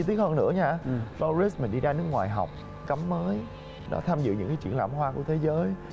chi tiết ngọn lửa nha pau rết là đi ra nước ngoài học cắm mới đã tham dự những triển lãm hoa của thế giới